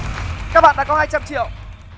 các bạn đã có hai trăm triệu